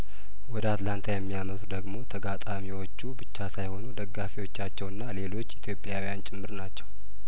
ወደ አትላንታ የሚያመሩት ደግሞ ተጋጣሚዎቹ ብቻ ሳይሆኑ ደጋፊዎቻቸውና ሌሎች ኢትዮጵያዊያን ጭምር ናቸው